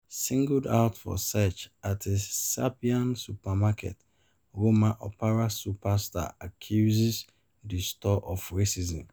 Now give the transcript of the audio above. Singled out for search at a Serbian supermarket, Roma opera superstar accuses the store of racism